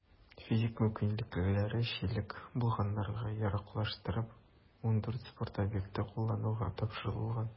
Физик мөмкинлекләре чикле булганнарга яраклаштырып, 14 спорт объекты куллануга тапшырылган.